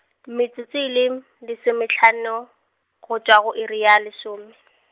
metsotso e le, lesomehlano, go tšwa go iri ya lesome.